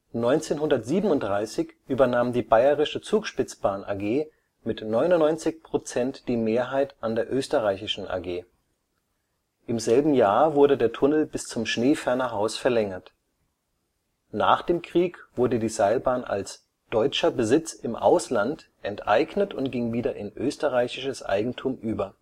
1937 übernahm die Bayerische Zugspitzbahn AG mit 99 Prozent die Mehrheit an der Österreichischen AG. Im selben Jahr wurde der Tunnel bis zum Schneefernerhaus verlängert. Nach dem Krieg wurde die Seilbahn als Deutscher Besitz im Ausland enteignet und ging wieder in österreichisches Eigentum über